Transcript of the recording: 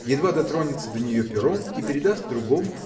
едва дотронется до нее пером и передаст другому